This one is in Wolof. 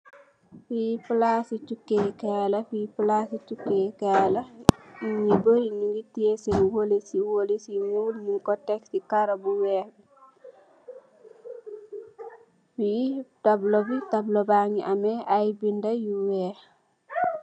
Fi palaci tokekai la fi palaci tokekai la niit yu bari nyugi tiyeh sen wolessi woless yu nuul nyun ko teg si karo bo weex fi tablo bi tablo bagi ameh ay benda yu weex.